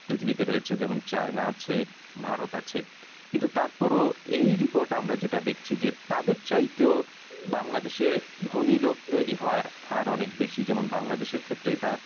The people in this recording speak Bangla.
যেমন চায়না আছে ভারত আছে কিন্তু তারপরও এই রিপোর্ট আমরা দেখেছি যে তাদের চাইতেও বাংলাদেশ ধনী লোক তৈরি হওয়ার হার অনেক বেশি যেমন বাংলাদেশের ক্ষেত্রে এটা